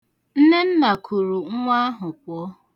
Nnenna kuru nwa ahụ pụọ.